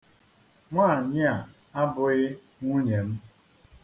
Nwaanyị a abụghị nwunye m.